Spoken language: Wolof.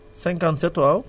57 waaw